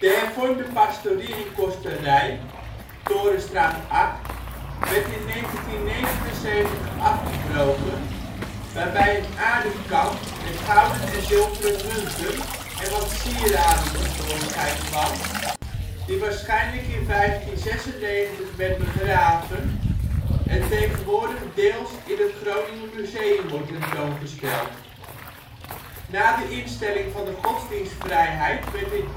hervormde pastorie en kosterij (Torenstraat 8) werd in 1979 afgebroken, waarbij een aarden kan met gouden en zilveren munten en wat sieraden tevoorschijn kwam die waarschijnlijk in 1596 werd begraven en tegenwoordig deels in het Groninger Museum wordt tentoongesteld. Na de instelling van de godsdienstvrijheid werd in